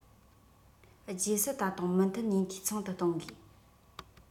རྗེས སུ ད དུང མུ མཐུད ནས འཐུས ཚང དུ གཏོང དགོས